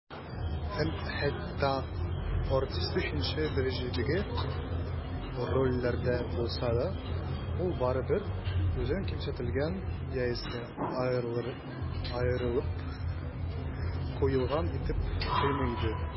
Һәм хәтта артист өченче дәрәҗәдәге рольләрдә булса да, ул барыбыр үзен кимсетелгән яисә аерылып куелган итеп тоймый иде.